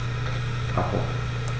Abbruch.